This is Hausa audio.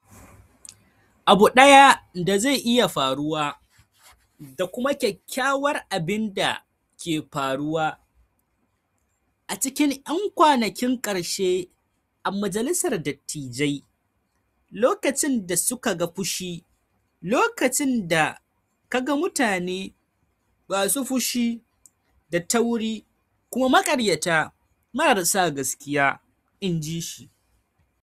"Abu daya da zai iya faruwa da kuma kyakkyawar abin da ke faruwa a cikin 'yan kwanakin karshe a Majalisar Dattijai, lokacin da su ka ga fushi, lokacin da ka ga mutanen masu fushi da tauri kuma maƙaryata marar sa gaskiya," in ji shi.